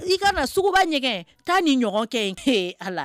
I kana suguba ɲɛgɛn'a ni ɲɔgɔn kɛ ke a la